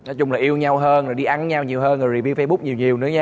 nói chung là yêu nhau hơn rồi đi ăn với nhau nhiều hơn rồi rì viu phây búc nhiều nhiều nữa nha